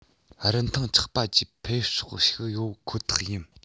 རིན ཐང ཆག པ ཀྱི འཕེལ ཕྱོགས ཤིག ཡོད ཁོ ཐག ཡིན